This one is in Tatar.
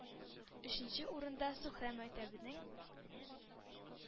Өченче урында – Сухрау мәктәбенең